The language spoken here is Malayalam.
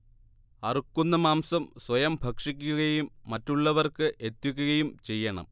അറുക്കുന്ന മാംസം സ്വയം ഭക്ഷിക്കുകയും മറ്റുള്ളവർക്ക് എത്തിക്കുകയും ചെയ്യണം